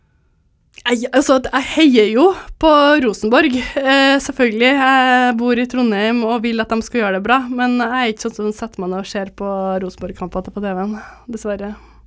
nei altså jeg heier jo på Rosenborg selvfølgelig jeg bor i Trondheim og vil at dem skal gjøre det bra men jeg er ikke sånn som setter meg ned å ser på Rosenborg-kamper på tv-en dessverre.